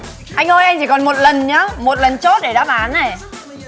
anh ơi anh chỉ còn một lần nhớ một lần chốt để đáp án này